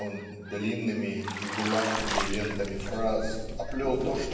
он "длинными и гладкими лентами фраз" оплел то